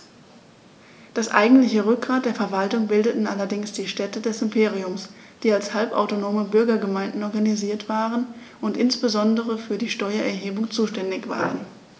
Das eigentliche Rückgrat der Verwaltung bildeten allerdings die Städte des Imperiums, die als halbautonome Bürgergemeinden organisiert waren und insbesondere für die Steuererhebung zuständig waren.